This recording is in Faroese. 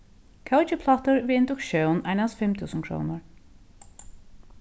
kókiplátur við induktión einans fimm túsund krónur